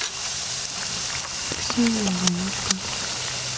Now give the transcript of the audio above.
ксения вонючка